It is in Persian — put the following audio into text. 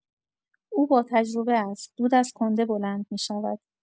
او با تجربه است، دود از کنده بلند می‌شود.